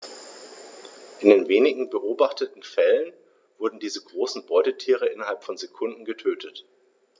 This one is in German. In den wenigen beobachteten Fällen wurden diese großen Beutetiere innerhalb von Sekunden getötet.